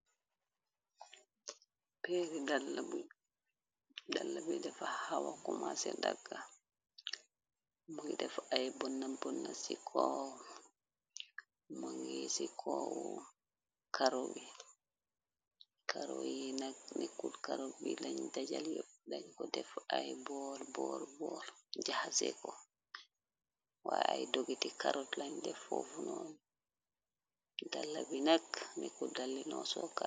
pëeryi dala bi defa xawa komase dàgga mo ngi def ay bana bana ci kaw mo ngi ci koowu karo ye nakk nekkul karop bi lañ dajal yopp dañ ko def ay boor boor boor jaxaseeko waye ay dogi ti karotland def fofunoon dala bi nakk nekkut dalle lon so